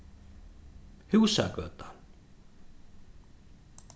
húsagøta